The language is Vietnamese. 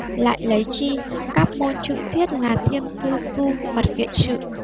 lại lấy tri cáp môn trương thuyết là thiêm thư xu mật viện sự